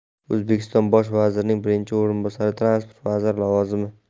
o'zbekiston bosh vazirining birinchi o'rinbosari transport vaziri lavozimi